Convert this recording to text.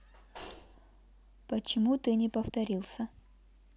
почему ты не повторился